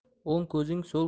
o'ng ko'zing so'l